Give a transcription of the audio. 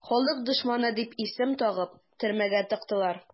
"халык дошманы" дип исем тагып төрмәгә тыктылар.